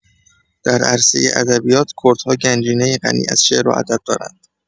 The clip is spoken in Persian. در عرصه ادبیات، کردها گنجینه‌ای غنی از شعر و ادب دارند.